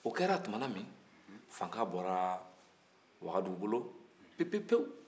o kɛra tumana min fanga bɔra wagadugu bolo pewu-pewu